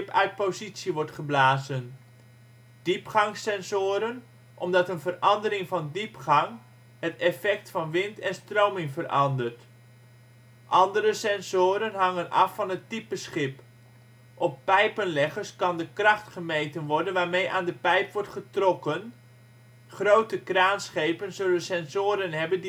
uit positie wordt geblazen. Diepgangssensoren, omdat een verandering van diepgang het effect van wind en stroming verandert. Andere sensoren hangen af van het type schip. Op pijpenleggers kan de kracht gemeten worden waarmee aan de pijp wordt getrokken, grote kraanschepen zullen sensoren hebben